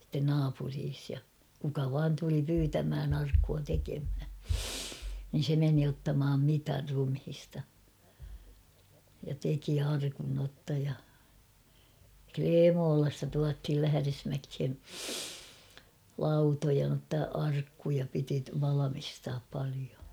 sitten naapurissa ja kuka vain tuli pyytämään arkkua tekemään niin se meni ottamaan mitat ruumiista ja teki arkun jotta ja Klemolasta tuotiin Lähdesmäkeen lautoja jotta arkkuja piti valmistaa paljon